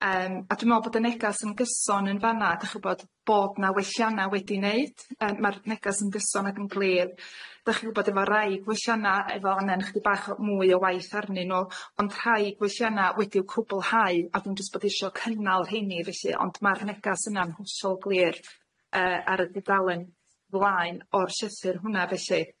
Yym a dwi me'wl bod y negas yn gyson yn fana a dych chi'n gwbod bod 'na wellianna wedi neud yym ma'r negas yn gyson ac yn glir dych chi'n gwbod efo rai gwellianna efo anen chydig bach o mwy o waith arnyn nw ond rhai gwellianna wedi'w cwblhau a dwi'n jyst bod isio cynnal rheini felly ond ma'r negas yna'n hwsol glir yy ar y dudalen flaen o'r llyhtyr hwnna felly.